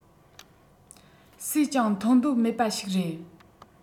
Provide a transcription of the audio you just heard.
སུས ཀྱང མཐོང འདོད མེད པ ཞིག རེད